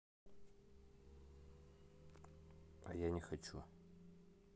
а я не хочу